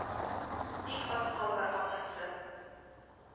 Бик аз калыр, ахрысы.